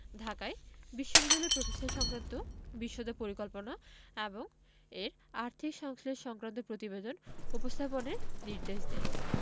ঢাকায় বিশ্ববিদ্যালয় প্রতিষ্ঠা সংক্রান্ত বিশদ পরিকল্পনা এবং এর আর্থিক সংশ্লেষ সংক্রান্ত প্রতিবেদন উপস্থাপনের নির্দেশ দেন